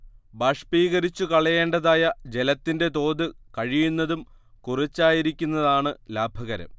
ബാഷ്പീകരിച്ചുകളയേണ്ടതായ ജലത്തിന്റെ തോത് കഴിയുന്നതും കുറച്ചായിരിക്കുന്നതാണ് ലാഭകരം